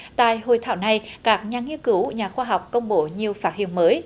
tại hội thảo này các nhà nghiên cứu nhà khoa học công bố nhiều phát hiện mới